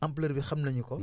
ampleur bi xam nañu ko